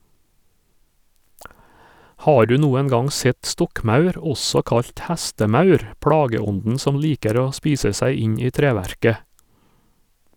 Har du noen gang sett stokkmaur, også kalt hestemaur , plageånden som liker å spise seg inn i treverket?